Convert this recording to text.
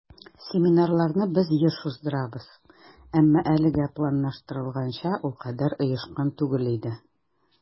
Семинарларны без еш уздырабыз, әмма әлегә планлаштырылганча ул кадәр оешкан түгел иде.